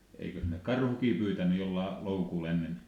eikös ne karhuakin pyytänyt jollakin loukuilla ennen